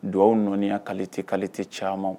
Dɔw nɔya kalete'ale tɛ caman